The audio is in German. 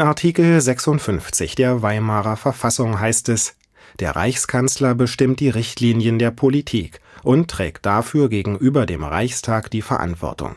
Artikel 56 der Weimarer Verfassung heißt es: „ Der Reichskanzler bestimmt die Richtlinien der Politik und trägt dafür gegenüber dem Reichstag die Verantwortung.